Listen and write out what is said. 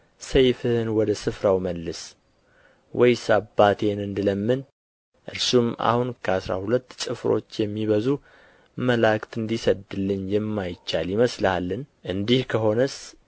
ሰይፍህን ወደ ስፍራው መልስ ወይስ አባቴን እንድለምን እርሱም አሁን ከአሥራ ሁለት ጭፍሮች የሚበዙ መላእክት እንዲሰድልኝ የማይቻል ይመስልሃልን እንዲህ ከሆነስ